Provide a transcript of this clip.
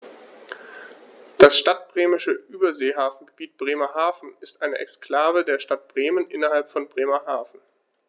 Das Stadtbremische Überseehafengebiet Bremerhaven ist eine Exklave der Stadt Bremen innerhalb von Bremerhaven.